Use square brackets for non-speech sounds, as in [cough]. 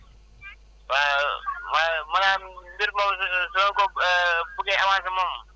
waaw maanaam mbir moom soo ko [hesitation] buggee avancé moom